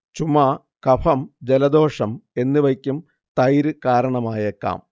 ചുമ, കഫം, ജലദോഷം എന്നിവയ്ക്കും തൈര് കാരണമായേക്കാം